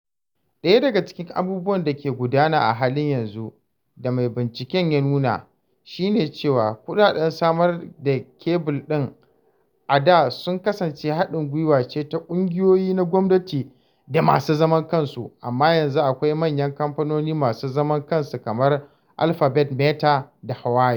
Ɗaya daga cikin abubuwan da ke gudana a halin yanzu da mai binciken ya nuna, shi ne cewa kuɗaɗen samar da kebul ɗin a da sun kasance haɗin gwiwa ce ta ƙungiyoyi na gwamnati da masu zaman kansu, amma yanzu akwai manyan kamfanoni masu zaman kansu kamar Alphabet, Meta da Huawei.